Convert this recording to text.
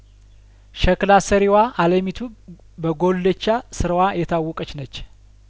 ሸክላ ሰሪዋ አለሚ ቱ በጉልቻ ስራዋ የታወቀችነች